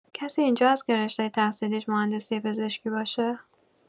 کسی اینجا هست که رشته تحصیلیش مهندسی پزشکی باشه؟